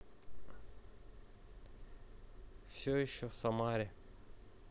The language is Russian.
все еще в самаре